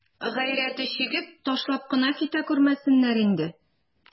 Гайрәте чигеп, ташлап кына китә күрмәсеннәр инде.